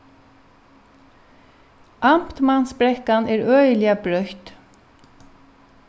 amtmansbrekkan er øgiliga brøtt